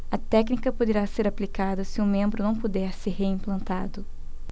a técnica poderá ser aplicada se o membro não puder ser reimplantado